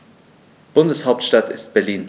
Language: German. Bundeshauptstadt ist Berlin.